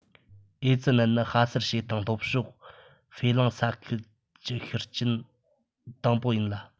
ཨེ ཙི ནད ནི ས ཧར བྱེ ཐང ལྷོ ཕྱོགས ཧྥེ གླིང ས ཁུལ གྱི ཤི རྐྱེན དང པོ ཡིན ལ